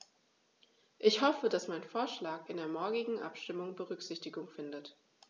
Ich hoffe, dass mein Vorschlag in der morgigen Abstimmung Berücksichtigung findet.